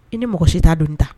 I ni mɔgɔ si t' don ta